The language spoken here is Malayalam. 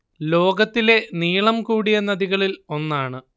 ലോകത്തിലെ നീളം കൂടിയ നദികളിൽ ഒന്നാണ്